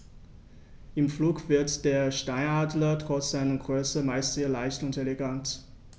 Im Flug wirkt der Steinadler trotz seiner Größe meist sehr leicht und elegant.